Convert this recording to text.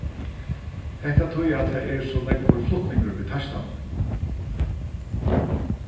hetta tí at tað er so nógvur flutningur við teistanum